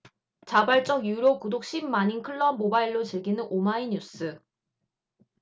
자발적 유료 구독 십 만인클럽 모바일로 즐기는 오마이뉴스